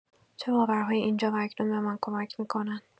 چه باورهایی اینجا و اکنون به من کمک می‌کنند؟